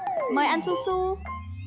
mời anh su su